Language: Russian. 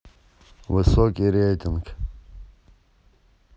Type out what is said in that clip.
высокий рейтинг